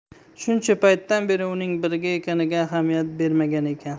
shuncha paytdan beri uning birga ekaniga ahamiyat bermagan ekan